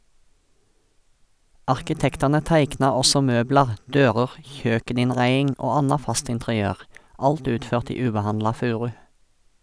Arkitektane teikna også møblar, dører, kjøkeninnreiing og anna fast interiør, alt utført i ubehandla furu.